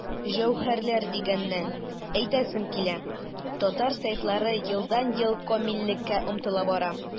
Җәүһәрләр дигәннән, әйтәсем килә, татар сайтлары елдан-ел камиллеккә омтыла бара.